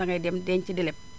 dangay dem denc di leb